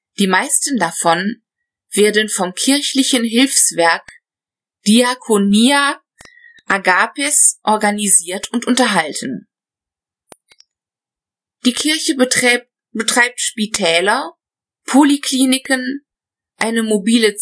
Die meisten davon werden vom kirchlichen Hilfswerk Diaconia Agapes organisiert und unterhalten. Die Kirche betreibt Spitäler, Polikliniken, eine mobile